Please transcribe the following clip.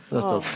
nettopp.